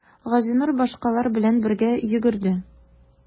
Газинур башкалар белән бергә йөгерде.